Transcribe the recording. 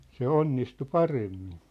se onnistui paremmin